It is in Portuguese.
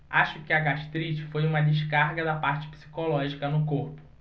acho que a gastrite foi uma descarga da parte psicológica no corpo